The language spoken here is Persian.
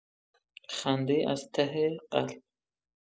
خنده‌ای از ته قلب